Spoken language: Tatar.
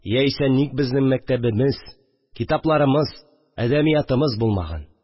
Яисә ник безнең мәктәбемез, китапларымыз, әдәбиятымыз булмаган